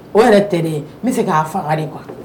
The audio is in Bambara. O yɛrɛ tɛ de ye n bɛ se k'a fanga de kuwa